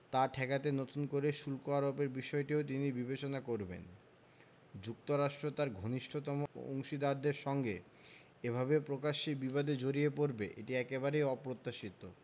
তা ঠেকাতে নতুন করে শুল্ক আরোপের বিষয়টিও তিনি বিবেচনা করবেন যুক্তরাষ্ট্র তার ঘনিষ্ঠতম অংশীদারদের সঙ্গে এভাবে প্রকাশ্যে বিবাদে জড়িয়ে পড়বে এটি একেবারে অপ্রত্যাশিত